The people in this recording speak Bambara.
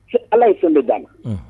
Ala ye fɛn bɛ dan